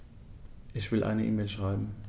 Ich will eine E-Mail schreiben.